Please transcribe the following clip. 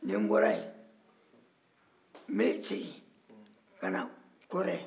ni n bɔra yen n bɛ segin ka na kɔrɛ